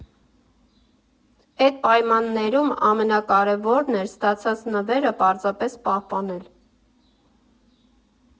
Էդ պայմաններում ամենակարևորն էր ստացած նվերը պարզապես պահպանել։